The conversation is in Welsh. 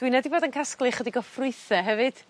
Dw inne 'di bod yn casglu chydig o ffrwythe hefyd.